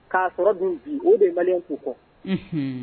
K'a sɔrɔ dun bi o de ye maliyɛn to kɔ. Uunhun.